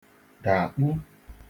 dàkpu